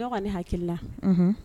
Bɛɛ kɔni hakilila n'hun